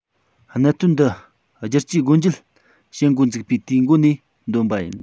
གནད དོན འདི བསྒྱུར བཅོས སྒོ འབྱེད བྱེད འགོ ཚུགས པའི དུས འགོ ནས བཏོན པ ཡིན